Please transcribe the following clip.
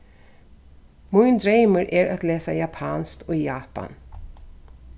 mín dreymur er at lesa japanskt í japan